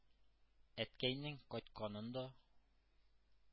Әткәйнең кайтканын да,